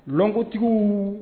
Bulontigiw